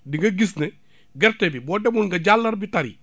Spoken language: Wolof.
di nga gis ne gerte bi boo demul nga jàllarbi tar yi